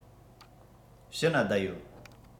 ཕྱི ན བསྡད ཡོད